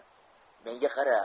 menga qara